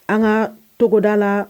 An ka togoda la